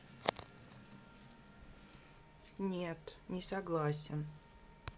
нет не согласен